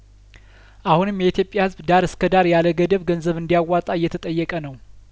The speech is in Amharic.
አሁንም የኢትዮጵያ ህዝብ ዳር እስከዳር ያለገደብ ገንዘብ እንዲ ያዋጣ እየተጠየቀ ነው